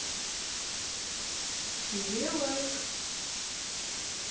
тебе лайк